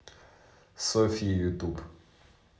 софья ютуб